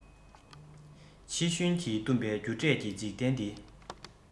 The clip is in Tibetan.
ཕྱི ཤུན གྱིས བཏུམ པའི རྒྱུ འབྲས ཀྱི འཇིག རྟེན འདི